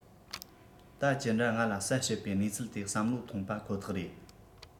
ད ཅི འདྲ ང ལ གསལ བཤད པའི གནས ཚུལ དེ བསམ བློ ཐོངས པ ཁོ ཐག རེད